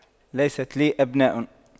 ليست لي أبناء